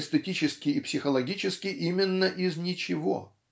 эстетически и психологически именно из ничего.